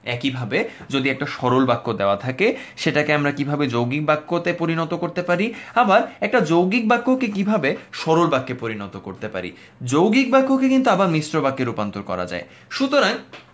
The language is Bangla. একইভাবে যদি একটা সরল বাক্য দেয়া থাকে সেটাকে আমরা কিভাবে যৌগিক বাক্য তে পরিণত করতে পারি আবার একটা যৌগিক বাক্য কে কিভাবে সরল বাক্যে পরিণত করতে পারি যৌগিক বাক্যকে কিন্তু আবার মিশ্র বাক্যে রূপান্তর করা যায় সুতরাং